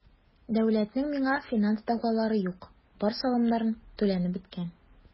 Дәүләтнең миңа финанс дәгъвалары юк, бар салымнарым түләнеп беткән.